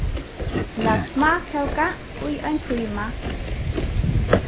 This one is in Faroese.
lat smákóka í ein tíma